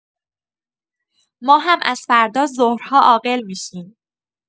ما هم از فردا ظهرها عاقل می‌شیم.